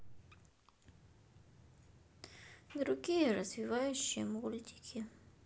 другие развивающие мультики